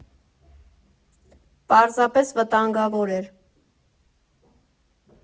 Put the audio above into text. Պարզապես վտանգավոր էր։